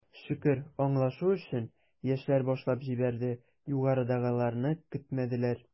Шөкер, аңлашу эшен, яшьләр башлап җибәрде, югарыдагыларны көтмәделәр.